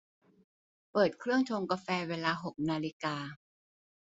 เปิดเครื่องชงกาแฟเวลาหกนาฬิกา